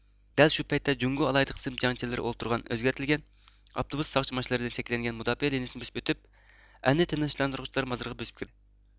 دەل شۇ پەيتتە جۇڭگو ئالاھىدە قىسىم جەڭچىلىرى ئولتۇرغان ئۆزگەرتىلگەن ئاپتوبۇس ساقچى ماشىنىلىرىدىن شەكىللەنگەن مۇداپىئە لېنىيىسىنى بۆسۈپ ئۆتۈپ ئەلنى تېنچلاندۇرغۇچىلار مازىرىغا بۆسۈپ كىردى